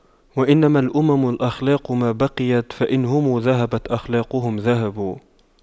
وإنما الأمم الأخلاق ما بقيت فإن هم ذهبت أخلاقهم ذهبوا